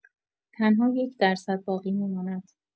تنها یک درصد باقی می‌ماند.